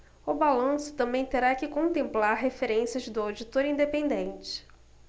o balanço também terá que contemplar referências do auditor independente